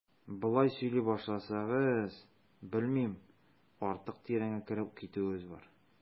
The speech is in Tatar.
Болай сөйли башласагыз, белмим, артык тирәнгә кереп китүебез бар.